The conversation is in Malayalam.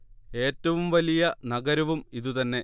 ഏറ്റവും വലിയ നഗരവും ഇതു തന്നെ